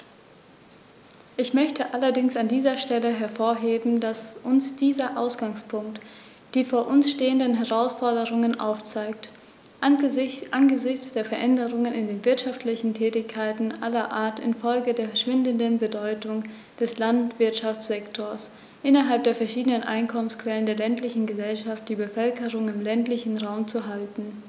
Ich möchte allerdings an dieser Stelle hervorheben, dass uns dieser Ausgangspunkt die vor uns stehenden Herausforderungen aufzeigt: angesichts der Veränderungen in den wirtschaftlichen Tätigkeiten aller Art infolge der schwindenden Bedeutung des Landwirtschaftssektors innerhalb der verschiedenen Einkommensquellen der ländlichen Gesellschaft die Bevölkerung im ländlichen Raum zu halten.